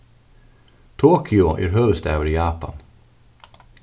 tokyo er høvuðsstaður í japan